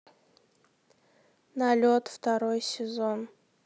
налет второй сезон